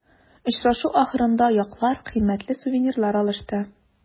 Очрашу ахырында яклар кыйммәтле сувенирлар алышты.